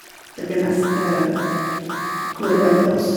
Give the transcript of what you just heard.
Det blir mest klorvann på oss.